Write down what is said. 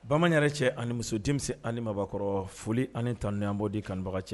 Bamanan yɛrɛ cɛ ani muso denmisɛnnin ani mabɔkɔrɔ foli ani tan niwananbɔ di kanbaga cɛ